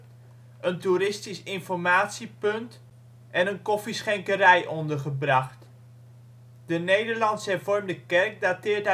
toeristisch informatiepunt en een koffieschenkerij ondergebracht. De Nederlands-hervormde kerk dateert